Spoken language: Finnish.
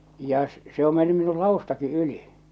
ja - se on mennyt minun ladustakin yli